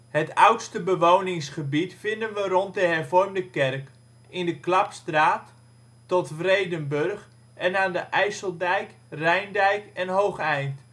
Het oudste bewoningsgebied vinden we rond de hervormde kerk, in de Klapstraat (tot Vredenburg) en aan de IJsseldijk, Rijndijk en Hoogeind